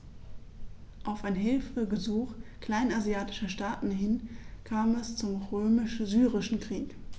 Auf ein Hilfegesuch kleinasiatischer Staaten hin kam es zum Römisch-Syrischen Krieg.